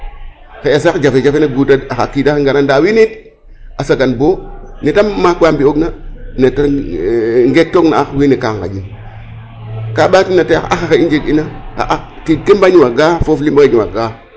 To sax jafe jafe gura to xa qiid axe ngara nda wiin we a sagan bo yee ke maak wa mbi'oogina ne da ngeektoogina ax wiin we ka nqaƴin ka mbatuna teen ax ake i njeg'ina